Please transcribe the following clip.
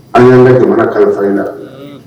An'an ka jamana kalansan in la